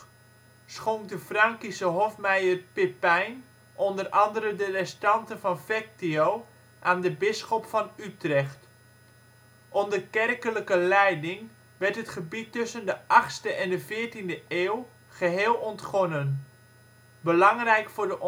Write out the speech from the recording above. schonk de Frankische hofmeier Pippijn o.a. de restanten van Fectio aan de bisschop van Utrecht. Onder kerkelijke leiding werd het gebied tussen de 8e en de 14e eeuw geheel ontgonnen. Belangrijk voor de